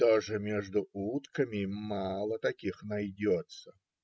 даже между утками мало таких найдется.